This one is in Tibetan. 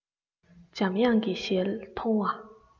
འཇམ དབྱངས ཀྱི ཞལ མཐོང བ